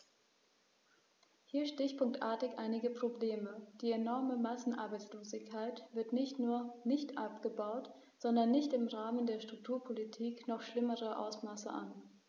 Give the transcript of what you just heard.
Hier stichpunktartig einige Probleme: Die enorme Massenarbeitslosigkeit wird nicht nur nicht abgebaut, sondern nimmt im Rahmen der Strukturpolitik noch schlimmere Ausmaße an.